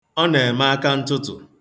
akantụtụ̀